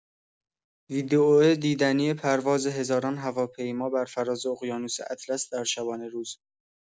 ویدئو دیدنی پرواز هزاران هواپیمابر فراز اقیانوس اطلس در شبانه‌روز